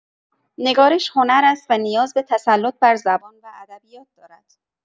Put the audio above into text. نگارش هنر است و نیاز به تسلط بر زبان و ادبیات دارد.